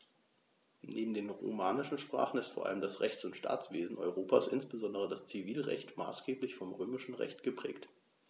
Neben den romanischen Sprachen ist vor allem das Rechts- und Staatswesen Europas, insbesondere das Zivilrecht, maßgeblich vom Römischen Recht geprägt.